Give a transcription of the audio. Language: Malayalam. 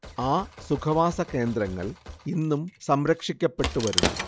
ആ സുഖവാസകേന്ദ്രങ്ങൾ ഇന്നും സംരക്ഷിക്കപ്പെട്ടു വരുന്നു